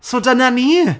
so dyna ni.